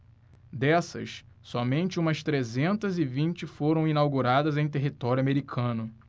dessas somente umas trezentas e vinte foram inauguradas em território americano